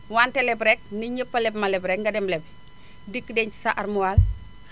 wante leb rek nit ñëpp a leb ma leb rek nga dem leb dikk denc sa armoire